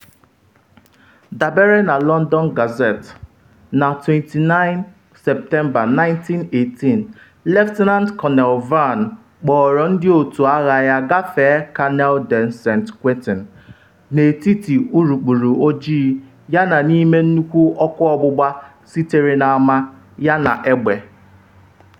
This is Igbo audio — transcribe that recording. Dabere na London Gazette, na 29 Septemba 1918 Lt Col Vann kpọọrọ ndị otu agha ya gafee Canal de Saint-Quentin “n’etiti urukpuru ojii yana n’ime nnukwu ọkụ ọgbụgba sitere na ama yana egbe.”